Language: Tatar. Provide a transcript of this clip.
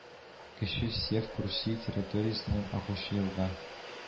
Кече Севк Русия территориясеннән агучы елга